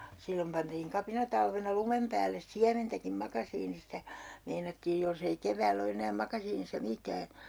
silloin pantiin kapinatalvena lumen päälle siementäkin makasiinista meinattiin jos ei keväällä ole enää makasiinissa mitään